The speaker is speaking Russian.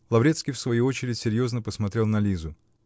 Лаврецкий, в свою очередь, серьезно посмотрел на Лизу.